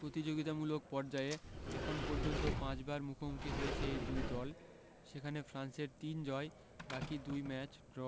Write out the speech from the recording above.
প্রতিযোগিতামূলক পর্যায়ে এখন পর্যন্ত পাঁচবার মুখোমুখি হয়েছে এই দুই দল সেখানে ফ্রান্সের তিন জয় বাকি দুই ম্যাচ ড্র